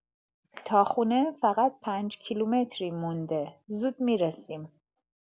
تا خونه فقط پنج‌کیلومتری مونده، زود می‌رسیم.